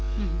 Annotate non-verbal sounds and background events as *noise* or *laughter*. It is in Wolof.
*hesitation* *hesitation*